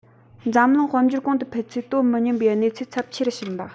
འཛམ གླིང དཔལ འབྱོར གོང དུ འཕེལ ཚུལ དོ མི མཉམ པའི གནས ཚུལ ཚབས ཆེ རུ ཕྱིན པ